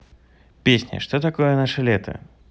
песня что такое наше лето